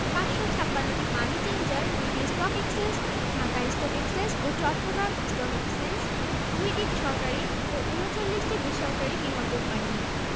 দেশের বাইরে থেকে ভূ পৃষ্ঠস্থ জলপ্রবাহ অনুপ্রবেশের পরিমাণ বৎসরের বিভিন্ন সময়ে বিভিন্ন হয়ে থাকে সারা বৎসরের সর্বোচ্চ প্রবাহ থাকে আগস্ট মাসে